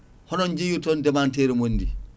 hono jeeyirton ndemanteri moon ndi